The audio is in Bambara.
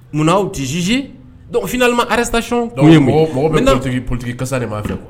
Munnaaw tɛ zzsefininalima resacɔn mɔgɔ mɔgɔ bɛ n'a tun politigi kasa de ma fɛ kuwa